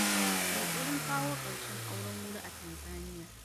Yunƙurin kawo ƙarshen auren wuri a Tanzaniya.